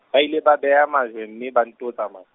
ba ile ba bea majwe mme ba ntoo tsama-.